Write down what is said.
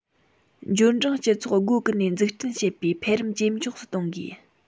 འབྱོར འབྲིང སྤྱི ཚོགས སྒོ ཀུན ནས འཛུགས སྐྲུན བྱེད པའི འཕེལ རིམ ཇེ མགྱོགས སུ གཏོང དགོས